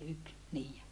yksi niin